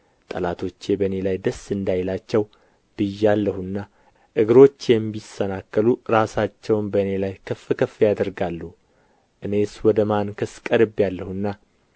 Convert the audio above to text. ጠላቶቼ በእኔ ላይ ደስ እንዳይላቸው ብያለሁና እግሮቼም ቢሰናከሉ ራሳቸውን በእኔ ላይ ከፍ ከፍ ያደርጋሉ እኔስ ወደ ማንከስ ቀርቤአለሁና